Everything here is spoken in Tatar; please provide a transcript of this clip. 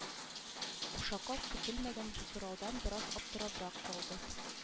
Ушаков көтелмәгән бу сораудан бераз аптырабрак калды